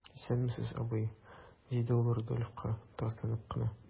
Исәнмесез, абый,– диде ул Рудольфка, тартынып кына.